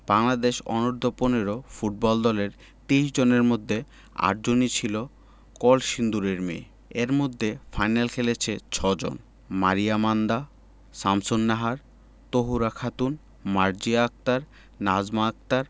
বাংলাদেশ অনূর্ধ্ব ১৫ ফুটবল দলের ২৩ জনের মধ্যে ৮ জনই ছিল কলসিন্দুরের মেয়ে এর মধ্যে ফাইনালে খেলেছে ৬ জন মারিয়া মান্দা শামসুন্নাহার তহুরা খাতুন মার্জিয়া আক্তার নাজমা আক্তার